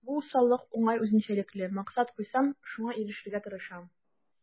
Бу усаллык уңай үзенчәлекле: максат куйсам, шуңа ирешергә тырышам.